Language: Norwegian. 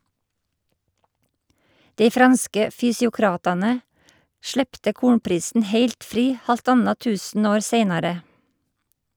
Dei franske fysiokratane slepte kornprisen heilt fri halvtanna tusenår seinare.